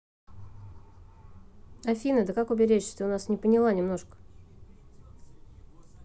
афина да как уберечься ты у нас не поняла немножко